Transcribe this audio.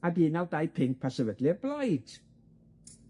ag un naw dau pump a sefydlu'r blaid?